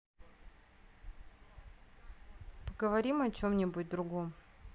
поговорим о чем нибудь другом